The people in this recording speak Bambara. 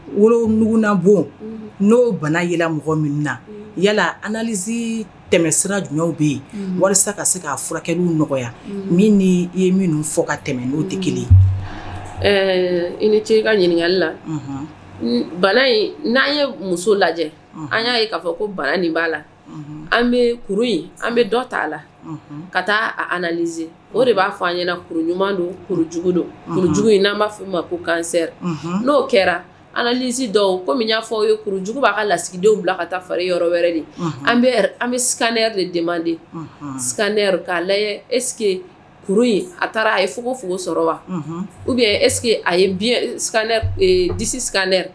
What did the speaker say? Wolouguina bon n'o bana mɔgɔ min na yalazisira jumɛnw bɛ yen wari ka se k ka furakɛw nɔgɔya min i ye minnu fɔ ka tɛmɛ tɛ kelen ɛɛ i ni ce i ka ɲininkakali la bana in n'an ye muso lajɛ an y'a ye' fɔ ko bana nin b'a la an bɛ kuru in an bɛ dɔ t ta a la ka taaze o de b'a fɔ an ɲɛna kuru ɲuman don kurujugu donjugu in n'an b'a fɔ' ma ko kansɛ n'o kɛraz dɔw komi y'a fɔ aw ye kurujugu b'a ka lasigidenw bila ka taa fara yɔrɔ wɛrɛ de an bɛɛ de de man sɛ'a la e in a taara a ye f fo sɔrɔ wa u bɛ esekeke a ye disi sɛ